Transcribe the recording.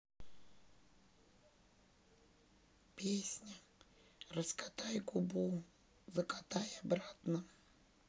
песня раскатай губу закатай обратно